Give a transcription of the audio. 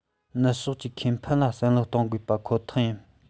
ནུབ ཕྱོགས ཀྱི ཁེ ཕན ལ བསམ བློ གཏོང དགོས པ ཁོ ཐག ཡིན